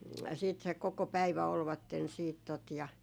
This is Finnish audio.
sitten se koko päivä olivat sitten tuota ja